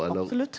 absolutt.